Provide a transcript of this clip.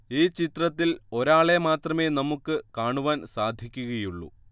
ഈ ചിത്രത്തിൽ ഒരാളെ മാത്രമേ നമുക്ക് കാണുവാൻ സാധിക്കുകയുള്ളൂ